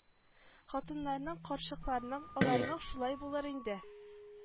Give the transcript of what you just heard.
Хатыннарның карчыкларның аларның шулай булыр инде